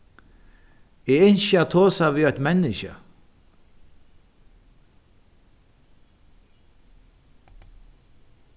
eg ynski at tosa við eitt menniskja